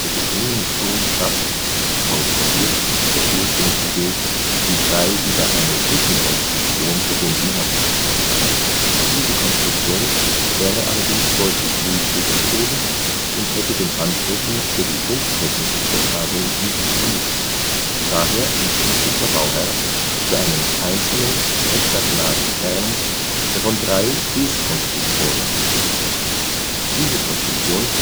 geschwungene Turmschaft korrespondiert mit der Ursprungsidee, die drei über eine Brückenkonstruktion verbundene Masten vorsah. Diese Konstruktion wäre allerdings deutlich niedriger gewesen und hätte den Ansprüchen für die funktechnische Übertragung nicht genügt. Daher entschied sich der Bauherr für einen einzelnen hexagonalen Kern, der von drei Fußkonstruktionen gestützt wird. Diese Konstruktion